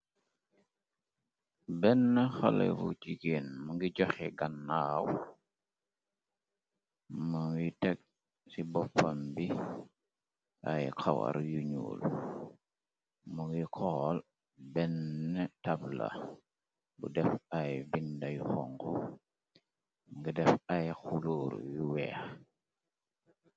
benn xalebu jigeen mu ngi joxe gannaaw mu ngi teg ci boppam bi ay xawar yu ñuul mu ngi xool benn tabla bu def ay bindayu xongu ngi def ay xuluoru yu weex.